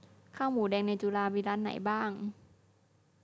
ข้าวหมูแดงในจุฬามีร้านไหนบ้าง